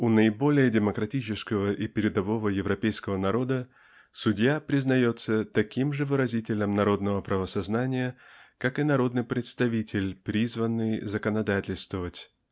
у наиболее демократического и передового европейского народа судья признается таким же выразителем народного правосознания как и народный представитель призванный законодательствовать